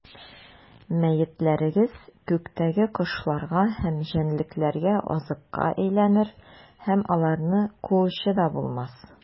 Мәетләрегез күктәге кошларга һәм җәнлекләргә азыкка әйләнер, һәм аларны куучы да булмас.